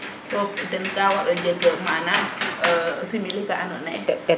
so den ka waro jeg manaam simili ka ando naye